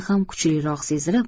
ham kuchliroq sezilib